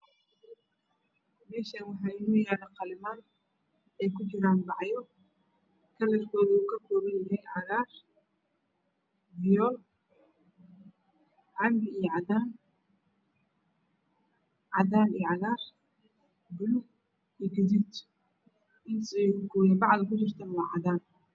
Meeshaan waxaa inoo yaalo qilimaam ay ku jiraan bacyo kalarkoodana uu yahay cagaar iyo canbi iyo cadaan cadaan iyo cagaar buluug iyo guduud intaas ayey ka koobanyihiin bacda ay ku jirtana waa cadaan